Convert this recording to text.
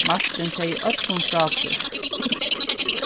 martin segði øllum frá tí